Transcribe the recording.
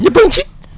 ñëpp a ngi ci